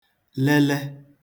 lele